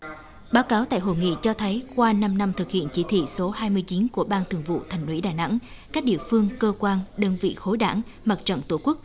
báo cáo tại hội nghị cho thấy qua năm năm thực hiện chỉ thị số hai mươi chín của ban thường vụ thành ủy đà nẵng các địa phương cơ quan đơn vị khối đảng mặt trận tổ quốc